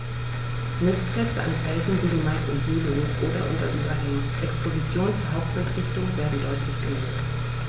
Nistplätze an Felsen liegen meist in Höhlungen oder unter Überhängen, Expositionen zur Hauptwindrichtung werden deutlich gemieden.